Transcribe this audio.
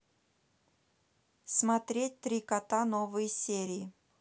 смотреть три кота новые серии